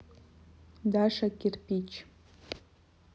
даша кирпич